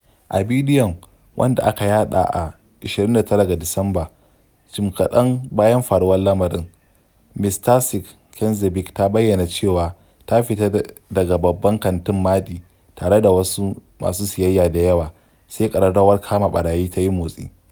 A bidiyon, wanda aka yaɗa a 29 ga Disamba jin kaɗan bayan faruwar lamarin, Ms. Tasic Knezeɓic ta bayyana cewa ta fita daga babban kantin Maɗi tare da wasu masu siyayya da yawa, sai ƙararrawar kama ɓarayi ta yi motsi.